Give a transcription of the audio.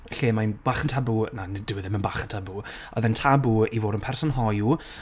lle mae'n bach yn tabw, na, ni- dyw e ddim yn bach yn tabw, oedd e'n tabw i fod yn person hoyw,